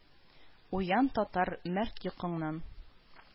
Уян, татар мәрт йокыңнан